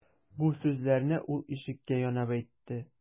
Бу сүзләрне ул ишеккә янап әйтте.